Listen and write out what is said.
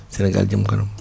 Sénégal jëm kanam